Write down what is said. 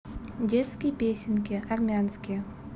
детские песенки армянские